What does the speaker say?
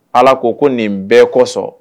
Ala ko ko nin bɛɛ kosɔn